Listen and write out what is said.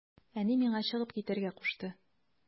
Әни миңа чыгып китәргә кушты.